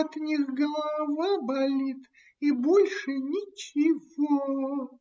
от них голова болит, и больше ничего.